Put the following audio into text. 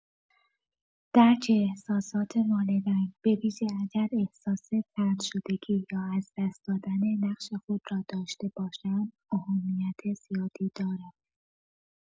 درک احساسات والدین، به‌ویژه اگر احساس طردشدگی یا از دست دادن نقش خود را داشته باشند، اهمیت زیادی دارد.